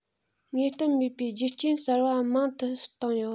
ངེས གཏན མེད པའི རྒྱུ རྐྱེན གསར པ མང དུ བཏང ཡོད